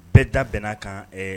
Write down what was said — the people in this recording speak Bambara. Bɛɛ da bɛn'a kan ɛɛ